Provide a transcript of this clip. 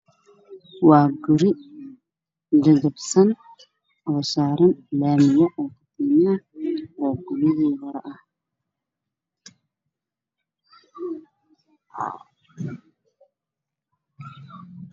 Wa guri jajab san oo sarn lami oo guryihi hore ah